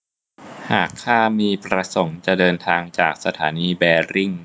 หากข้ามีประสงค์จะเดินทางจากสถานีแบริ่ง